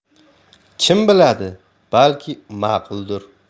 kim biladi balki ma'quldir